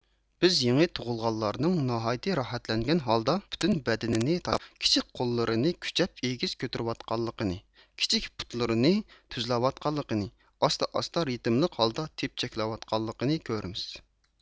بىز يېڭى تۇغۇلغانلارنىڭ ناھايىتى راھەتلەنگەن ھالدا پۈتۈن بەدىنىنى تاشلاپ كىچىك قوللىرىنى كۈچەپ ئېگىز كۆتۈرۈۋاتقانلىقىنى كىچىك پۇتلىرىنى تۈزلەۋاتقانلىقىنى ئاستا ئاستا رىتىملىق ھالدا تېپچەكلەۋاتقانلىقىنى كۆرىمىز